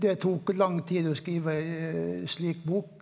det tok lang tid å skrive ei slik bok.